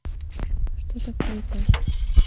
что такое этаж